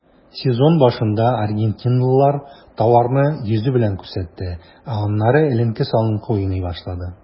Сезон башында аргентинлылар тауарны йөзе белән күрсәтте, ә аннары эленке-салынкы уйный башлады.